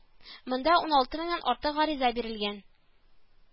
Монда ун алты меңнән артык гариза бирелгән